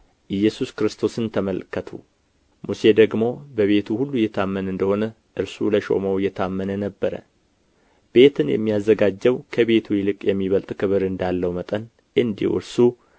ኢየሱስ ክርስቶስን ተመልከቱ ሙሴ ደግሞ በቤቱ ሁሉ የታመነ እንደሆነ እርሱ ለሾመው የታመነ ነበረ ቤትን የሚያዘጋጀው ከቤቱ ይልቅ የሚበልጥ ክብር እንዳለው መጠን እንዲሁ እርሱ